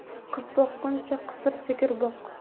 qiz boqquncha qisir sigir boq